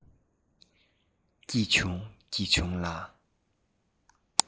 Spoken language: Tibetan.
སྐྱིད བྱུང སྐྱིད བྱུང ལ